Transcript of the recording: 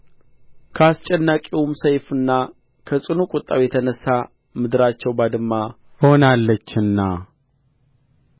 ከአስጨናቂውም ሰይፍና ከጽኑ ቍጣው የተነሣ ምድራቸው ባድማ ሆናለችና